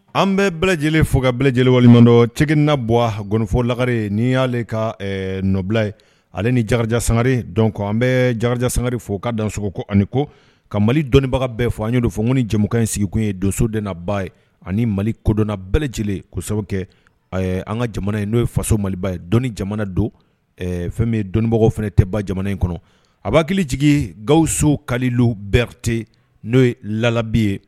An bɛ bɛ lajɛlenele fo ka bɛ lajɛlenele walimadɔ cɛ na bɔfɔ lagare n'i y'aale ka nɔbila ye ale ni jaraja sangari dɔn kɔ an bɛ jaja sangari fo ka dan sogoko ani ko ka mali dɔnniibaga bɛɛ fɔ an ye don fɔon ni jamukan in sigikun ye doso de naba ye ani mali kodɔnna bɛɛlɛ lajɛlen ko sababu kɛ an ka jamana ye n'o ye faso maliba ye dɔn jamana don fɛn bɛ dɔnniibagaw fana tɛ ba jamana in kɔnɔ a b'a hakili jigin gaso ka bɛɛte n'o ye labi ye